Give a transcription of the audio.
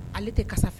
Ale tɛ karisa